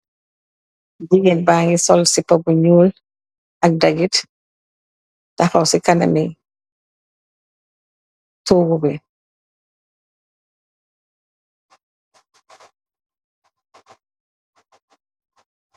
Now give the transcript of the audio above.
Jegain bage sol sepa bu njol ak dagete tahaw se kaname toogu bi.